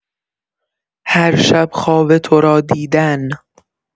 هر شب خواب تو را دیدن.